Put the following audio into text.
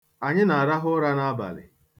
Anyị na-arahụ ụra n'abalị.